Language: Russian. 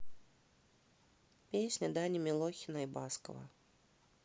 песня дани милохина и баскова